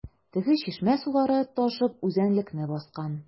Теге чишмә сулары ташып үзәнлекне баскан.